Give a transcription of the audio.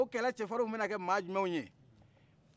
o kɛlɛ cɛ farinw bɛna kɛ mɔgɔ jumɛnw ye